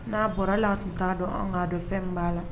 N'a bɔra la tun t'a dɔn an ka dɔn fɛn b'a la